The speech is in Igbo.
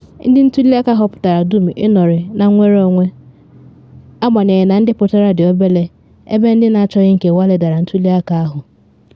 Ndị ntuli aka họpụtara dum ịnọrọ na nnwere onwe, agbanyeghị na ndị pụtara dị obere ebe ndị na achọghị nkewa ledara ntuli aka ahụ.